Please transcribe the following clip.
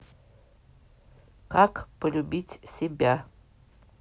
как полюбить себя